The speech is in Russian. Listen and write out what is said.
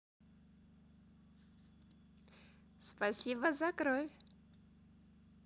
спасибо за кровь